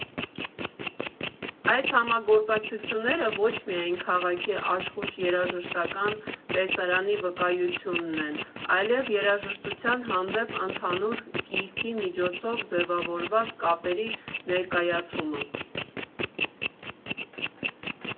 Այս համագործակցությունները ոչ միայն քաղաքի աշխույժ երաժշտական տեսարանի վկայությունն են, այլև երաժշտության հանդեպ ընդհանուր կիրքի միջոցով ձևավորված կապերի ներկայացումը։